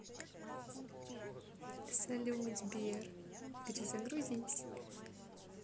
салют сбер перегрузись